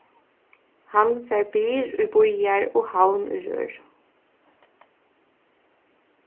hann fær byr ið bíðar og havn ið rør